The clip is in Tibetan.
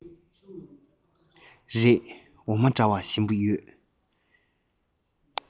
རེད འོ མ འདྲ བ ཞིམ པོ ཡོད